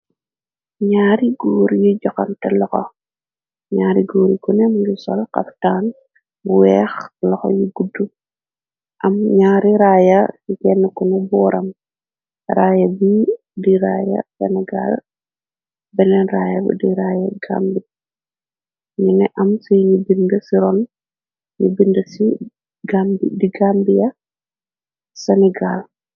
Naari goor yi joxamte laxo ñaari goor yi kuneh muge sol xaftaan bu weex laxo yu gudu am ñaari raaya ci kene kuneh booram raaya bi di raya senigal beneen raaya di raaya gambi mine am seeni binde ci ron nu binde se di gambia senigaal